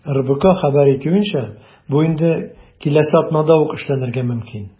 РБК хәбәр итүенчә, бу инде киләсе атнада ук эшләнергә мөмкин.